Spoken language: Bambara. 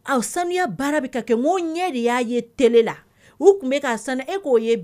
'o ye